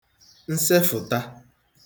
nsefụ̀ta